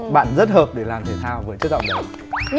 bạn rất hợp với để làm thể thao với chất giọng đấy